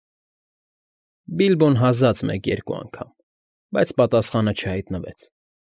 Բիլբոն հազաց մեկ֊երկու անգամ, բայց պատասխանը չհայտնվեց։